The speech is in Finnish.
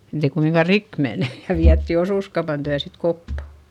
että ei kumminkaan rikki mene ja vietiin osuuskaupan tykö sitten koppa